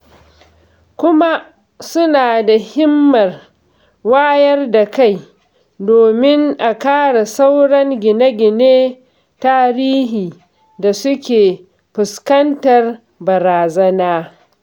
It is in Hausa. Kuma suna da himmar wayar da kai domin a kare sauran gine-gine tarihi da suke fuskantar barazana.